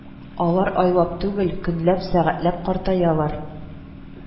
Алар айлап түгел, көнләп, сәгатьләп картаялар